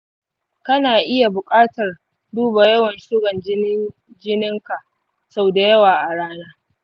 kana iya buƙatar duba yawan sugan jininka sau da yawa a rana.